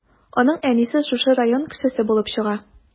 Аның әнисе шушы район кешесе булып чыга.